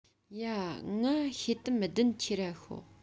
ཡ ངའ ཤེལ དམ བདུན ཁྱེར ར ཤོག